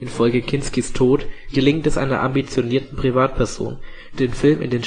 infolge Kinskis Tod, gelingt es einer ambitionierten Privatperson, den Film